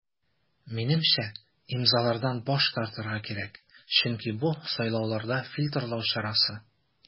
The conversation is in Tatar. Минемчә, имзалардан баш тартырга кирәк, чөнки бу сайлауларда фильтрлау чарасы.